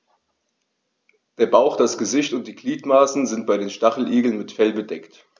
Der Bauch, das Gesicht und die Gliedmaßen sind bei den Stacheligeln mit Fell bedeckt.